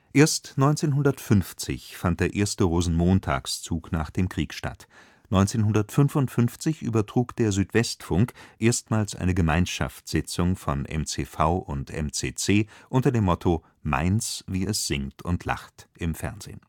Erst 1950 fand der erste Rosenmontagszug nach dem Krieg statt. 1955 übertrug der Südwestfunk erstmals eine Gemeinschaftssitzung von MCV und MCC unter dem Motto: „ Mainz wie es singt und lacht “im Fernsehen